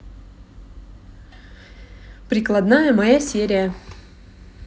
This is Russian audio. прикладная моя серия